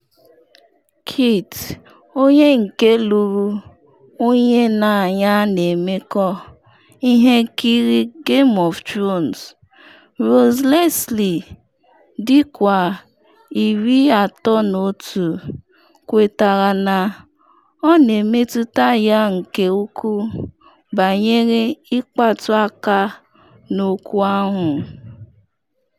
Kit, onye nke lụrụ onye ya na ya na-emekọ ihe nkiri Game of Thrones Rose Leslie, dịkwa 31, kwetara na ọ ‘na-emetụta ya nke ukwuu’ banyere ịkpatụ aka n’okwu ahụ.